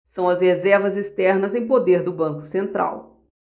são as reservas externas em poder do banco central